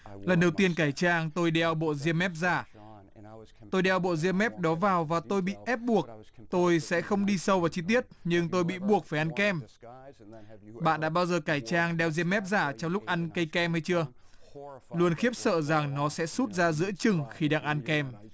lần đầu tiên cải trang tôi đeo bộ ria mép giả tôi đeo bộ ria mép đó vào và tôi bị ép buộc tôi sẽ không đi sâu vào chi tiết nhưng tôi bị buộc phải ăn kem bạn đã bao giờ cải trang đeo ria mép giả trong lúc ăn cây kem hay chưa luôn khiếp sợ rằng nó sẽ sút ra giữa chừng khi đang ăn kem